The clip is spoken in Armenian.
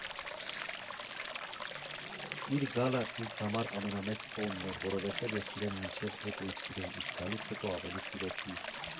Իր գալը ինձ համար ամենամեծ տոնն էր, որովհետև ես իրեն մինչև էդ էի սիրում, իսկ գալուց հետո ավելի սիրեցի։